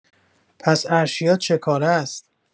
پس ارشیا چه‌کاره است؟